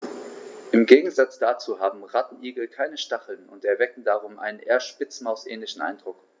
Im Gegensatz dazu haben Rattenigel keine Stacheln und erwecken darum einen eher Spitzmaus-ähnlichen Eindruck.